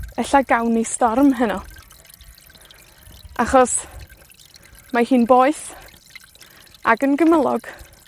Ella gawn ni storm heno. Achos mae hi'n boeth, ag yn gymylog.